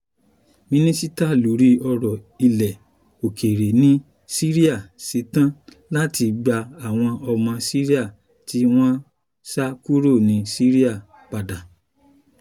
Mínísítà loŕi ọ̀rọ̀ ilẹ̀-òkèèrè ní Syria ‘setán’ láti gba àwọn ọmọ Syria tí wọ́n sá kúrò ní Syria padà